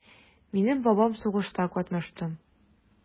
Минем бабам сугышта катнашты.